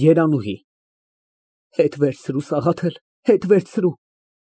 ԵՐԱՆՈՒՀԻ ֊ Հետ վերցրու, Սաղաթել, հետ վերցրու։